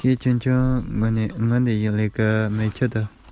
མི དབང ཆ ཡོད པ རྣམས ཀྱིས